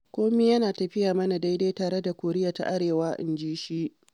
“Kome yana tafiya mana daidai tare da Koriya ta Arewa,” inji shi.